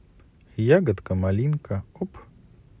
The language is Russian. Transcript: ягодка малинка оп